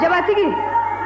jabatigi